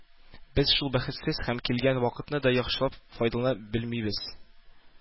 Без шул бәхетсез һәм килгән вакытны да яхшылап файдалана белмибез.